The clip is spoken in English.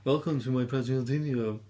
Welcome to my praseodymium.